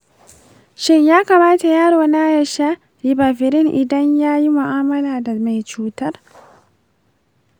shin ya kamata yaro na ya sha ribavirin idan ya yi mu’amala da mai cutar?